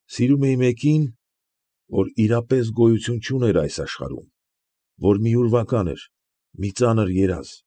Սիրում էի մեկին, որ իրապես գոյություն չուներ այս աշխարհում, որ մի ուրվական էր, մի ծանր երազ։